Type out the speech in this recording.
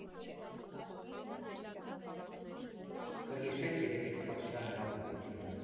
Կհիշեք երևի Թավշյա հեղափոխությունը։